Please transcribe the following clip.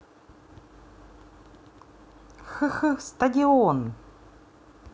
xx стадион